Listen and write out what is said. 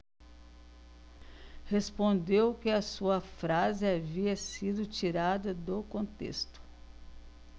respondeu que a sua frase havia sido tirada do contexto